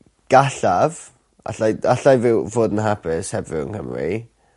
Gallaf allai allai fyw fod yn hapus heb fyw yng Nghymru.